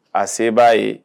A se b'a ye